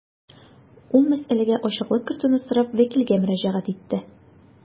Ул мәсьәләгә ачыклык кертүне сорап вәкилгә мөрәҗәгать итте.